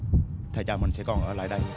thầy trò mình sẽ còn ở lại đây